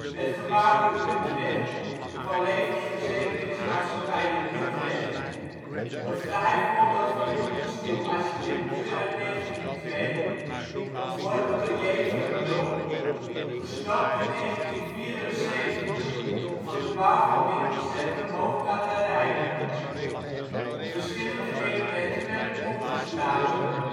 Het gebouw " de Utrecht " van levensverzekeringsmaatschappij De Utrecht, een fraai voorbeeld van Jugendstil-architectuur uit 1902, ontworpen door J. Verheul, gesloopt in 1974 voor de bouw van winkelcentrum Hoog Catharijne. Verschillende elementen werden opgeslagen